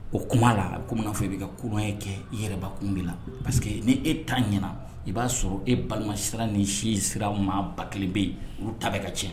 O kuma la komi ina fɔ i bɛ ka kuma ye kɛ i yɛrɛba kun de la parce que ni e ta ɲɛna i b'a sɔrɔ e balima sira ni sindi sira maa ba kelen bɛ yen olu ta bɛ ka tiɲɛ